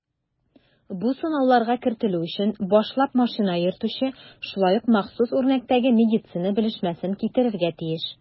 Бу сынауларга кертелү өчен башлап машина йөртүче шулай ук махсус үрнәктәге медицинасы белешмәсен китерергә тиеш.